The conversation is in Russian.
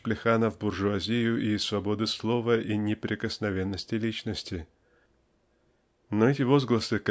Плеханов буржуазию и свободы слова и неприкосновенности личности?" Но эти возгласы